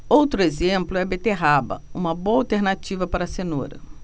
outro exemplo é a beterraba uma boa alternativa para a cenoura